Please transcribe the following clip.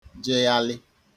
jeghalị